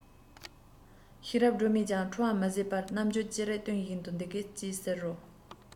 ཤེས རབ སྒྲོལ མས ཀྱང ཁྲོ བ མི ཟད པའི རྣམ འགྱུར ཅི རིགས སྟོན བཞིན དུ འདི སྐད ཅེས ཟེར རོ